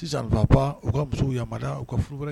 Sisanfa u ka muso yada u ka furu